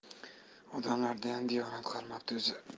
odamlardayam diyonat qolmapti o'zi